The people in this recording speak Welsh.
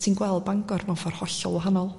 ti'n gweld Bangor mewn ffor hollol wahanol